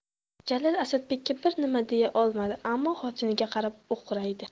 jalil asadbekka bir nima deya olmadi ammo xotiniga qarab o'qraydi